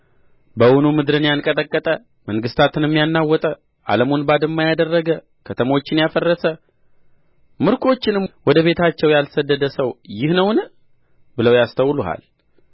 በውኑ ምድርን ያንቀጠቀጠ መንግሥታትንም ያናወጠ ዓለሙን ሁሉ ባድማ ያደረገ ከተሞችንም ያፈረሰ ምርከኞቹንም ወደ ቤታቸው ያልሰደደ ሰው ይህ ነውን ብለው ያስተውሉሃል